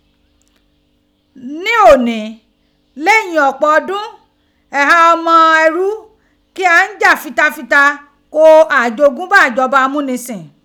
Ní òní, leyìn ọ̀pọ̀ ọdún, igha ọmọ erú kí à ń jà fitafita ko àjogúnbá ìjọba amúnisìn.